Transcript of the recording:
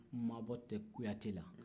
maabɔ tɛ kuyatɛ la